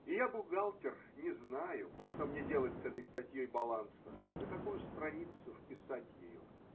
И я, бухгалтер, не знаю, что мне делать с этой статьей баланса, на какую страницу вписать ее.